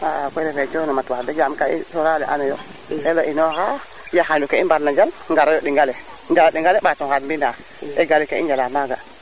xa a koy refe cono mat wax deg yam ka i soorale ano yo teno inoxa yaxalu ke i ,mbarna njal ngaroyo ɗingale ngara ndingale mbato ngaad mbina egali ke i ndiala maaga